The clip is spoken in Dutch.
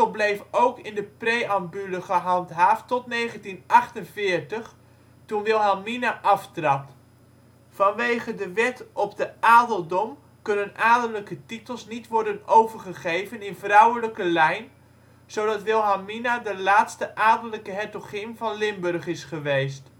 bleef ook in de preambule gehandhaafd tot 1948, toen Wilhelmina aftrad. Vanwege de Wet op de Adeldom kunnen adellijke titels niet worden overgegeven in vrouwelijke lijn, zodat Wilhelmina de laatste adellijke hertogin van Limburg is geweest